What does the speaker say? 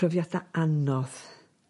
Profiada anodd